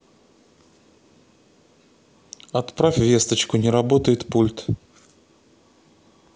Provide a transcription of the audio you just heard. отправь весточку не работает пульт